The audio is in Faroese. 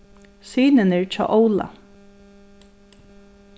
synirnir hjá óla